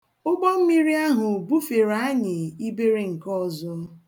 Ụgbọmmiri ahụ bufere anyị ibere nke ọzọ.